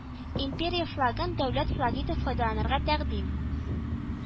Империя флагын дәүләт флагы итеп файдаланырга тәкъдим